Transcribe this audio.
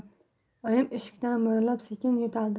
oyim eshikdan mo'ralab sekin yo'taldi